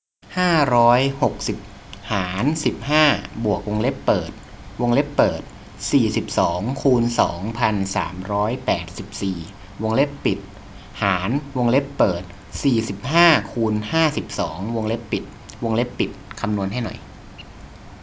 ห้าร้อยหกสิบหารสิบห้าบวกวงเล็บเปิดวงเล็บเปิดสี่สิบสองคูณสองพันสามร้อยแปดสิบสี่วงเล็บปิดหารวงเล็บเปิดสี่สิบห้าคูณห้าสิบสองวงเล็บปิดวงเล็บปิดคำนวณให้หน่อย